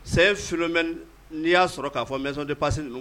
C'est un phénomène n'i y'a sɔrɔ k'a fɔ maison de passe ninnu